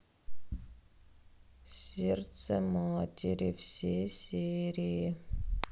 сердце матери все серии